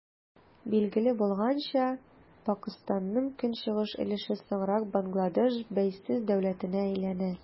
Билгеле булганча, Пакыстанның көнчыгыш өлеше соңрак Бангладеш бәйсез дәүләтенә әйләнә.